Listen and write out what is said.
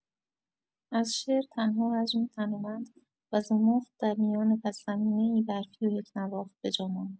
از شعر تنها حجمی تنومند و زمخت در میان پس زمینه‌ای برفی و یکنواخت به جا ماند.